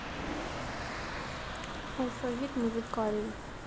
алфавит музыкальный